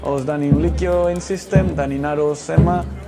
Os 'dan ni'n licio ein system 'dan ni'n aros ema